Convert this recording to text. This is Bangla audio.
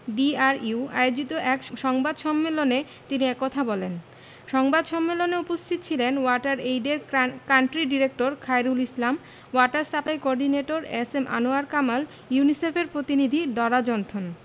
ডিআরইউ আয়োজিত এক সংবাদ সম্মেলন তিনি এ কথা বলেন সংবাদ সম্মেলনে উপস্থিত ছিলেন ওয়াটার এইডের country director Khairul Islam water সাপ্লাইর coordinator S M Anwar Kamal ইউনিসেফের প্রতিনিধি ডারা জনথন